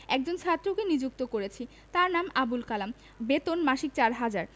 একজন ছাত্রকে নিযুক্ত করেছি তার নাম আবুল কালাম বেতন মাসিক চার হাজার